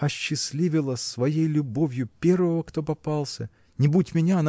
осчастливила своей любовью первого, кто попался не будь меня